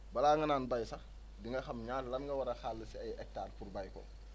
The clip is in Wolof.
balaa nga naan béy sax di nga xam ñaa lan nga war a xàll si ay hectares pour béy ko